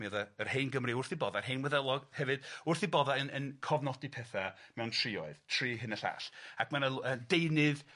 Mi oedd yy yr hein Gymru wrth 'i bodda' hein Wyddelog hefyd wrth 'i bodda' yn yn cofnodi petha' mewn trioedd, tri hyn a llall, ac ma' 'na l- yy deunydd